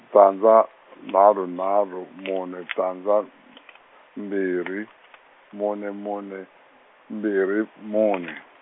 tandza, nharhu nharhu, mune tandza , mbirhi, mune mune, mbirhi mune.